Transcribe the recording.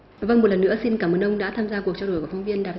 vâng một lần nữa xin cảm ơn ông đã tham gia cuộc trao đổi với phóng viên đài